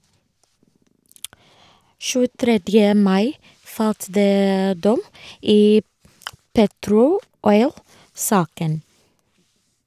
23. mai falt det dom i Petro Oil-saken.